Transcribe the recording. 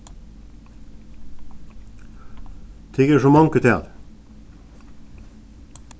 tykur eru so mong í tali